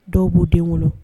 Dɔw b'u den n bolo